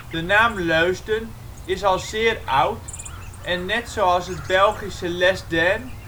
De naam Leusden is al zeer oud en net zoals het Belgische Lesdain en